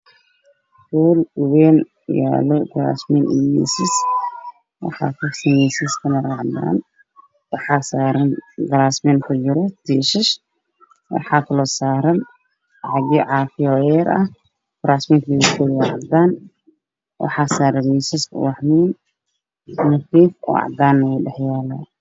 Halkaan waxaa ka muuqdo hool wayn oo ay yaalaan kuraas cadaan iyo miisas cadaan ah waxaana saaran biyo caafi ah